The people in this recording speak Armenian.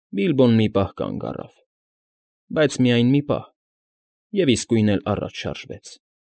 Բիլբոն մի պահ կանգ առավ։ Բայց միայն մի պահ, և իսկույն էլ առաջ շարժվեց։